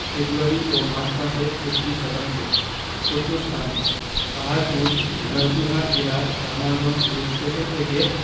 ফেব্রুয়ারি ও মার্চ মাসে ৩৬ শতাংশ প্রত্নস্থানঃ পাহাড়পুর জয়পুরহাট জেলার জামালগঞ্জ রেলস্টেশন থেকে